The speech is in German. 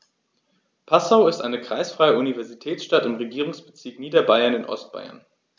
Passau ist eine kreisfreie Universitätsstadt im Regierungsbezirk Niederbayern in Ostbayern.